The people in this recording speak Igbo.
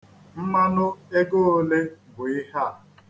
Mmanụ ego ole bụ ihe a?